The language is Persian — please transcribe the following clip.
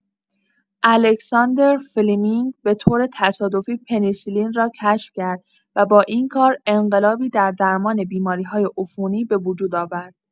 الکساندر فلمینگ به‌طور تصادفی پنی‌سیلین را کشف کرد و با این کار، انقلابی در درمان بیماری‌های عفونی به وجود آورد.